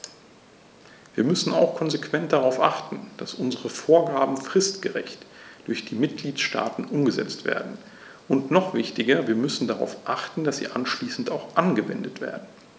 Wir müssen auch konsequent darauf achten, dass unsere Vorgaben fristgerecht durch die Mitgliedstaaten umgesetzt werden, und noch wichtiger, wir müssen darauf achten, dass sie anschließend auch angewendet werden.